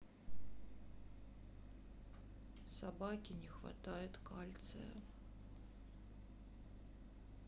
собаке не хватает кальция